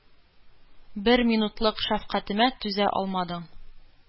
Бер минутлык шәфкатемә түзә алмадың;